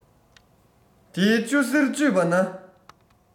དེའི གཅུ གཟེར གཅུས པ ན